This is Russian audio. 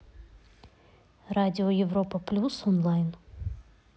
радио европа плюс онлайн